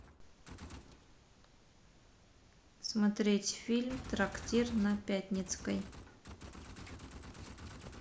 смотреть фильм трактир на пятницкой